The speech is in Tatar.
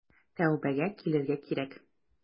Тәүбәгә килергә кирәк.